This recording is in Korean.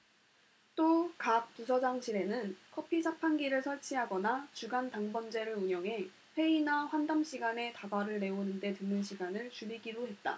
또 각 부서장실에는 커피자판기를 설치하거나 주간 당번제를 운영해 회의나 환담 시간에 다과를 내오는 데 드는 시간을 줄이기로 했다